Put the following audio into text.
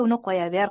uni qo'yaver